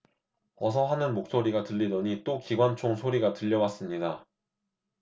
어서 하는 목소리가 들리더니 또 기관총 소리가 들려왔습니다